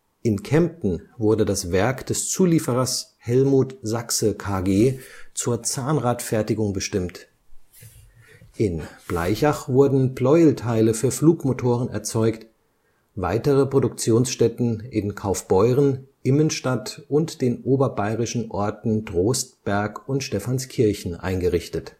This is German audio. In Kempten (Allgäu) wurde das Werk des Zulieferers Helmuth Sachse KG zur Zahnradfertigung bestimmt, in Blaichach wurden Pleuelteile für Flugmotoren erzeugt, weitere Produktionsstätten in Kaufbeuren, Immenstadt und den oberbayerischen Orten Trostberg und Stephanskirchen eingerichtet